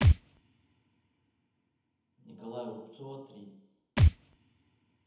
николая рубцова три